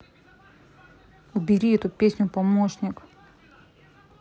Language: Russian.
убери эту песню помощник